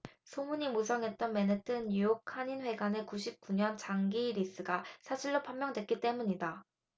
소문이 무성했던 맨해튼 뉴욕한인회관의 구십 구 년 장기리스가 사실로 판명됐기때문이다